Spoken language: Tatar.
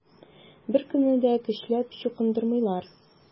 Беркемне дә көчләп чукындырмыйлар.